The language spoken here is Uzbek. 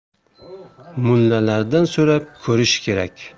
mullalardan so'rab ko'rish kerak